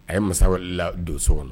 A ye masa weele ka don so kɔnɔ